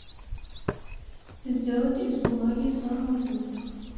сделать из бумаги самолет